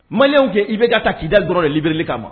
Maliyɛnw de IBK ta Kidali dɔrɔn de libérer li kama